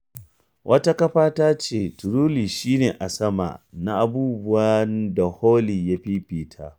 Wata kafa ta ce: “Truly shi ne a sama na abubuwan da Holly ya fifita.